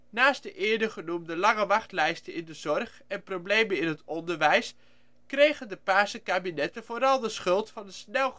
Naast de eerder genoemde lange wachtlijsten in de zorg en problemen in het onderwijs, kregen de Paarse Kabinetten vooral de schuld van het snel groeidende